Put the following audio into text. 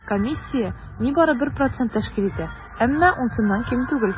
Комиссия нибары 1 процент тәшкил итә, әмма 10 сумнан ким түгел.